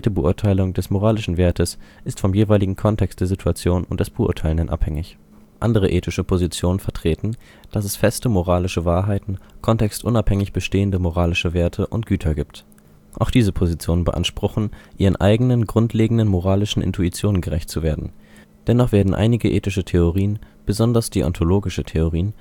Beurteilung des moralischen Wertes ist vom jeweiligen Kontext der Situation und des Beurteilenden abhängig. Andere ethische Positionen vertreten, dass es feste moralische Wahrheiten, kontextunabhängig bestehende moralische Werte und Güter gibt. Auch diese Positionen beanspruchen, ihren eigenen grundlegenden moralischen Intuitionen gerecht zu werden. Dennoch werden einige ethische Theorien, besonders deontologische Theorien